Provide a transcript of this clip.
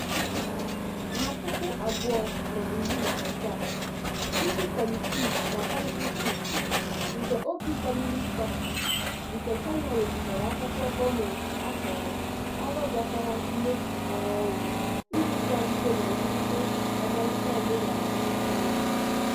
Ha depụtara ọrụ mmalitegharị omenala nke gụnyere emume ndị China dịka Lunar New Year na Lantern Festival, tinyere ndị ọzọ, dịka omenala ndị kwesịrị ntụte.